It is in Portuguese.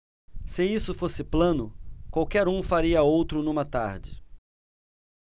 se isso fosse plano qualquer um faria outro numa tarde